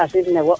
ɓasil newo